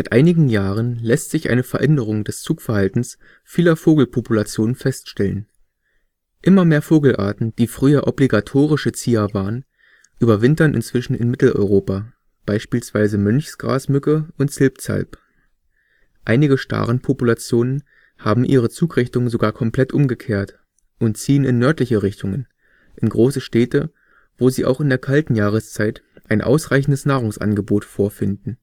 einigen Jahren lässt sich eine Veränderung des Zugverhaltens vieler Vogelpopulationen feststellen: Immer mehr Vogelarten, die früher obligatorische Zieher waren, überwintern inzwischen in Mitteleuropa, beispielsweise Mönchsgrasmücke und Zilpzalp. Einige Starenpopulationen haben ihre Zugrichtung sogar komplett umgekehrt und ziehen in nördliche Richtungen: in große Städte, wo sie auch in der kalten Jahreszeit ein ausreichendes Nahrungsangebot vorfinden